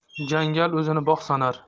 jangal o'zini bog' sanar